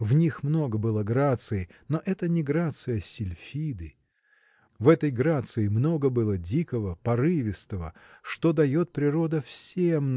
В них много было грации, но это не грация Сильфиды. В этой грации много было дикого порывистого что дает природа всем